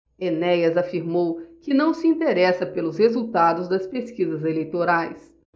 enéas afirmou que não se interessa pelos resultados das pesquisas eleitorais